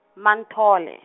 Manthole.